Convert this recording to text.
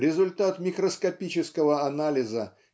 результат микроскопического анализа